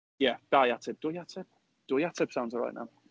Ie, dau ateb. Dwy ateb? Dwy ateb sounds alright now.